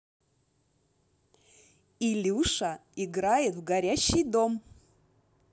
илюша играет в горящий дом